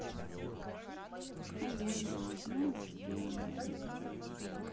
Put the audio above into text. аллегрова с днем рождения